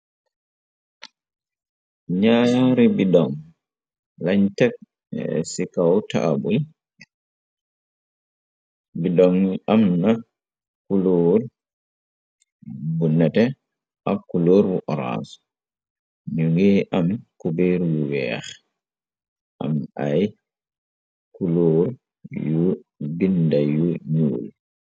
Naaari bidoŋ leeñ teg ci kaw taabul bidoŋ yi am na kulóor bu nete ak kulóor bu orance ñu ngiy am kubéer bu weex am ay kulóor yu gindayu ñuul.